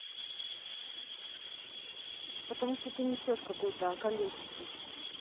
потому что несешь какую то околесицу